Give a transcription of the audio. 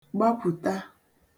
gbakwùta